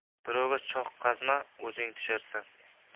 birovga choh qazima o'zing tusharsan